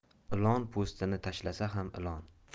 lion po'stini tashlasa ham ilon